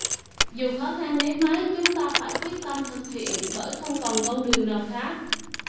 dù khó khăn đến mấy chúng ta phải quyết tâm thực hiện bởi không còn con đường nào khác